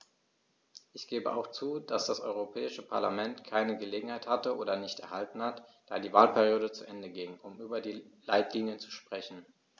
Ich gebe auch zu, dass das Europäische Parlament keine Gelegenheit hatte - oder nicht erhalten hat, da die Wahlperiode zu Ende ging -, um über die Leitlinien zu sprechen.